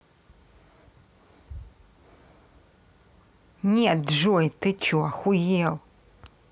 нет джой ты че охуел